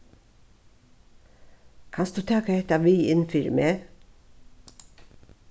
kanst tú taka hetta við inn fyri meg